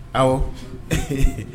Aw